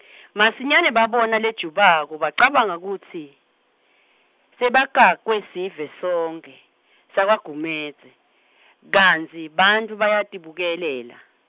masinyane babona lejubako, bacabanga kutsi, sebakakwesivesonkhe, sakaGumedze , kantsi, bantfu bayatibukelela.